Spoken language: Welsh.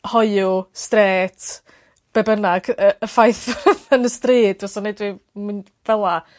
hoyw strêt be' bynnag y y ffaith yn y stryd fysa'n neud fi mynd fel 'a.